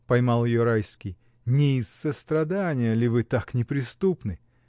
— поймал ее Райский, — не из сострадания ли вы так неприступны?.